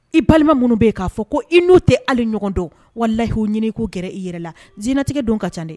I balima minnu bɛ yen k'a fɔ ko i n'u tɛ hali ɲɔgɔn dɔn wallahi u ɲinin i k'u gɛrɛ i yɛrɛ la diɲɛnlatigɛ don ka caa dɛ!